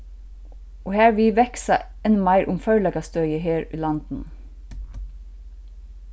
og har við vaksa enn meir um førleikastøðið her í landinum